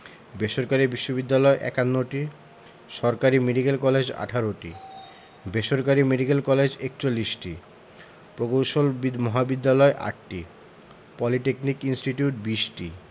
বেসরকারি বিশ্ববিদ্যালয় ৫১টি সরকারি মেডিকেল কলেজ ১৮টি বেসরকারি মেডিকেল কলেজ ৪১টি প্রকৌশল মহাবিদ্যালয় ৮টি পলিটেকনিক ইনস্টিটিউট ২০টি